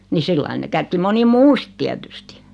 niin sillä lailla ne kätki moni muu sitten tietysti